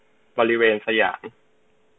บริเวณสยาม